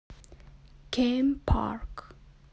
game park